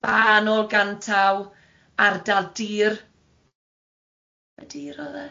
Banol Gantaw, Ardal Dur, be' Dur oedd e?